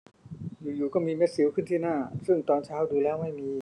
อยู่อยู่ก็มีเม็ดสิวขึ้นที่หน้าซึ่งตอนเช้าดูแล้วไม่มี